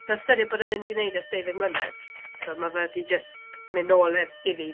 Tibod o ystyried bod e ddim 'di wneud ers deuddeg mlynedd, tibod, ma' fe 'di jyst mynd nôl i- iddi.